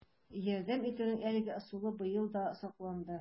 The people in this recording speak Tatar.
Ярдәм итүнең әлеге ысулы быел да сакланды: